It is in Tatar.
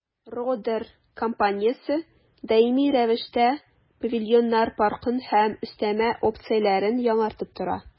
«родер» компаниясе даими рәвештә павильоннар паркын һәм өстәмә опцияләрен яңартып тора.